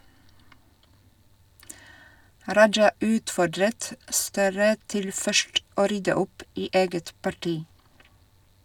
Raja utfordret Støre til først å rydde opp i eget parti.